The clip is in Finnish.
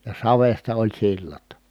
ja savesta oli sillat